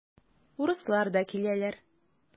Урыслар да киләләр.